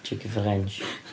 Chicken French